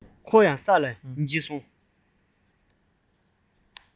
དེ མུར ཁོ ཡང ས རུ འགྱེལ སོང